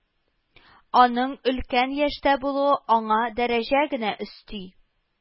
Аның өлкән яшьтә булуы, аңа дәрәҗә генә өсти